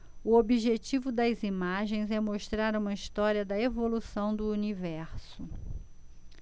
o objetivo das imagens é mostrar uma história da evolução do universo